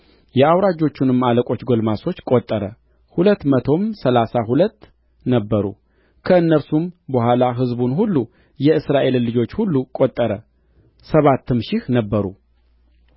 የአውራጆቹንም አለቆች ጕልማሶች ቈጠረ ሁለት መቶም ሠላሳ ሁለት ነበሩ ከእነርሱም በኋላ ሕዝቡን ሁሉ የእስራኤልን ልጆች ሁሉ ቈጠረ ሰባትም ሺህ ነበሩ